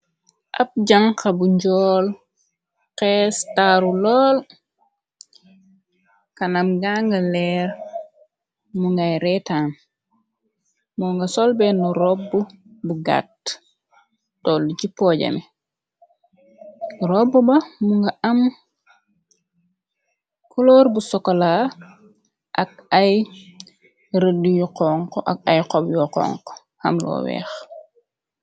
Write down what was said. Ab janxa bu njool xees taaru lool kanam ganga leer mu ngay reetaam moo nga solbenn robb bu gàtt toll ci poojani rob ba mu nga am kolóor bu sokola ak ay rëdiyu xonku ak ay xob yuxonxu amlo weex.